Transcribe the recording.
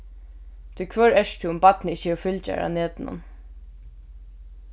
tí hvør ert tú um barnið ikki hevur fylgjarar á netinum